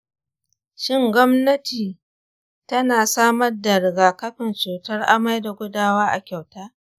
shin gwamnati ta na samar da riga-kafin cutar amai da gudawa a kyauta?